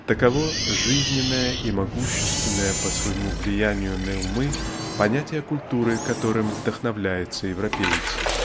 --таково жизненное и могущественное по своему влиянию на умы понятие культуры которым вдохновляется европеец.